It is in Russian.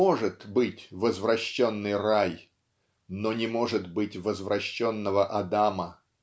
Может быть возвращенный рай, но не может быть возвращенного Адама